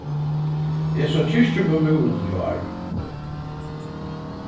eg sá kirkjubømúrin í gjár